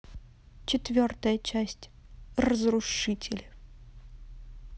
четвертая часть разрушители